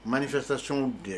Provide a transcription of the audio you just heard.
Manifestation kɛa